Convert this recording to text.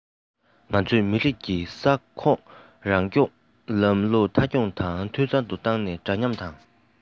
ང ཚོས མི རིགས ས ཁོངས རང སྐྱོང ལམ ལུགས མཐའ འཁྱོངས དང འཐུས ཚང དུ བཏང ནས འདྲ མཉམ དང